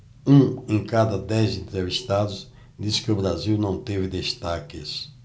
um em cada dez entrevistados disse que o brasil não teve destaques